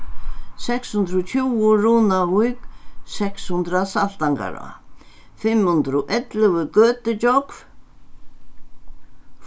seks hundrað og tjúgu runavík seks hundrað saltangará fimm hundrað og ellivu gøtugjógv